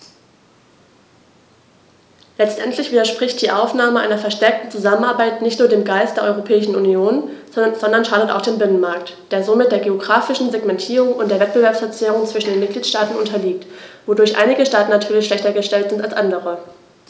Letztendlich widerspricht die Aufnahme einer verstärkten Zusammenarbeit nicht nur dem Geist der Europäischen Union, sondern schadet auch dem Binnenmarkt, der somit der geographischen Segmentierung und der Wettbewerbsverzerrung zwischen den Mitgliedstaaten unterliegt, wodurch einige Staaten natürlich schlechter gestellt sind als andere.